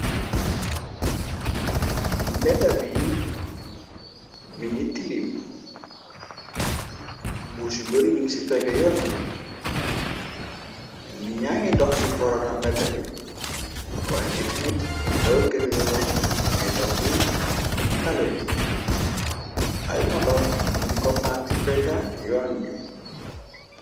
Mbédda bi mi ngir tiliim mbuus yu bari ning ci pégga yoon bi ni gñangi dox ci korona medda bi wayén itmit dawul kari welo mi ngir dox ci talé bi ay moto ñiñ koppagg ci pegga yoon bi.